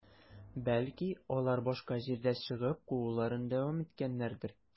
Бәлки, алар башка җирдә чыгып, кууларын дәвам иткәннәрдер?